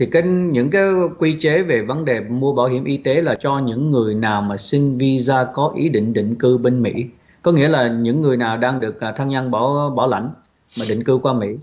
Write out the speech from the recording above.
thì cái những cái quy chế về vấn đề mua bảo hiểm y tế là cho những người nào mà xin vi da có ý định định cư bên mỹ có nghĩa là những người nào đang được các thân nhân bảo bảo lãnh mà định cư qua mỹ